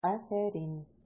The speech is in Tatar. Афәрин!